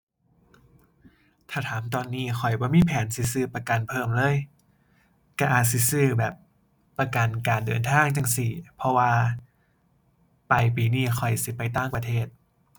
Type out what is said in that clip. ถ้าถามตอนนี้ข้อยบ่มีแผนสิซื้อประกันเพิ่มเลย ก็อาจสิซื้อแบบประกันการเดินทางจั่งซี้ เพราะว่าปลายปีนี้ข้อยสิไปต่างประเทศ